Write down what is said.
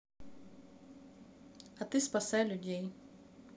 а ты спасай людей